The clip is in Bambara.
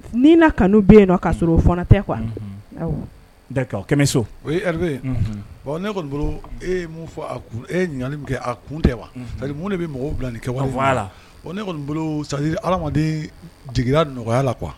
N' na kanu bɛ yen kaa sɔrɔ o f tɛ kuwaso o ye ne kɔni e fɔ e kɛ a kun tɛ wa mun de bɛ bila nin kɛ ne kɔni ala di jigi nɔgɔya la kuwa